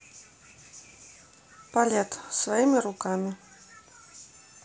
палет своими руками